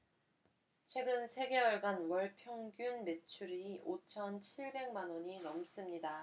최근 세 개월간 월 평균 매출이 오 천 칠 백만 원이 넘습니다